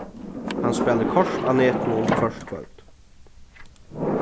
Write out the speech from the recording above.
hann spælir kort á netinum hvørt kvøld